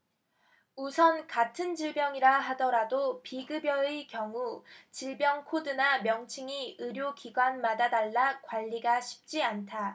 우선 같은 질병이라 하더라도 비급여의 경우 질병 코드나 명칭이 의료기관마다 달라 관리가 쉽지 않다